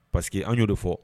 Parce que an y'o de fɔ